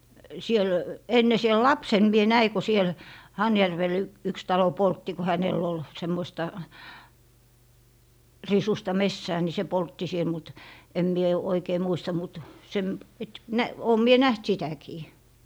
siellä ennen siellä lapsena minä näin kun siellä Hanhijärvellä yksi talo poltti kun hänellä oli semmoista risuista metsää niin se poltti siellä mutta en minä oikein muista mutta --- olen minä nähnyt sitäkin